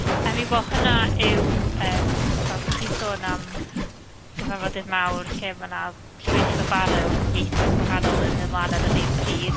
I mean, wel hynna yw yym... tibod pan chi'n sôn am gyfarfodydd mawr lle ma' 'na llwyth o barau o ieithoedd gwahanol yn mynd mlân ar yr un pryd.